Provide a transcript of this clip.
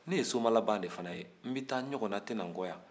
ne ye soma laban de fana ye n bɛ taa ɲɔgɔnna tɛ na n kɔ yan